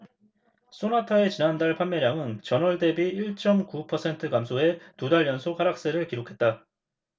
쏘나타의 지난달 판매량은 전월 대비 일 쩜 구 퍼센트 감소해 두 달 연속 하락세를 기록했다